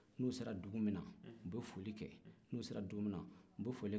n'u sera dugu min na u bɛ foli kɛ n'u sera dugu min na u bɛ foli kɛ